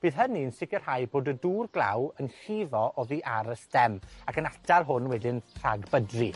bydd hynny'n sicirhau bod y dŵr glaw yn llifo oddi ar y stem ac yn atal hwn wedyn, rhag bydru.